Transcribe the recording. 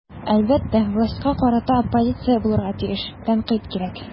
Әлбәттә, властька карата оппозиция булырга тиеш, тәнкыйть кирәк.